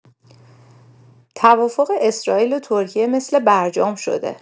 توافق اسراییل و ترکیه مثل برجام شده.